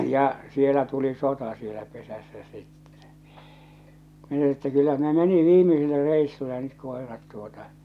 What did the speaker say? ja siellä tuli sota siellä pesässä sitten minä että kyllä ne meni viimeisille reissulle nyt koirat tuota